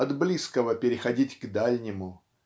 от близкого переходить к дальнему